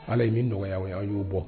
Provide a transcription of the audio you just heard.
Ala ye min nɔgɔyaya ye aw y'o bɔ